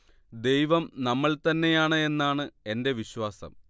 ദൈവം നമ്മൾ തന്നെയാണ് എന്നാണ് എന്റെ വിശ്വാസം